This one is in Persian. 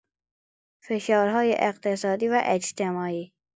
فشارهای اقتصادی و اجتماعی